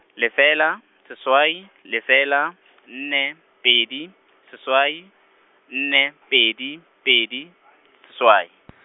lefela, seswai , lefela , nne, pedi, seswai, nne , pedi, pedi , seswai .